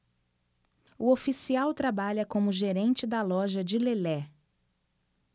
o oficial trabalha como gerente da loja de lelé